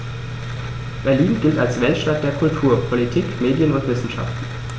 Berlin gilt als Weltstadt der Kultur, Politik, Medien und Wissenschaften.